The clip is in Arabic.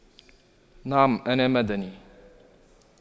نعم أنا مدني